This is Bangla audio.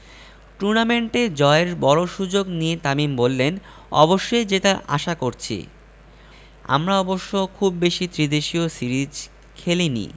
টুর্নামেন্ট জয়ের বড় সুযোগ নিয়ে তামিম বললেন অবশ্যই জেতার আশা করছি আমরা অবশ্য খুব বেশি ত্রিদেশীয় সিরিজ খেলেনি